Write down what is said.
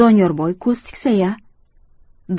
doniyorboy ko'z tiksa ya